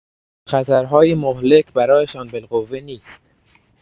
خطرهای مهلک برایشان بالقوه نیست.